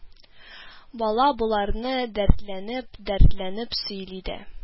Бала боларны дәртләнеп-дәртләнеп сөйли дә: